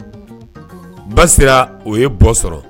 Basira o ye bɔ sɔrɔ